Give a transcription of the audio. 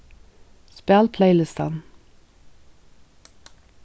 spæl playlistan